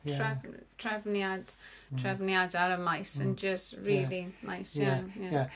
Trefn- trefniad trefniad ar y maes yn jyst rili neis iawn... Ie.